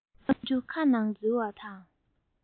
ཁམ ཆུ ཁ ནང འཛུལ བ དང